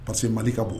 Pa parce que mali ka bon